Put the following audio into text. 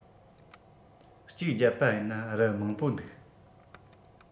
གཅིག རྒྱབ པ ཡིན ན རུ མང པོ འདུག